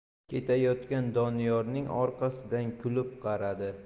ketayotgan doniyorning orqasidan kulib qaradi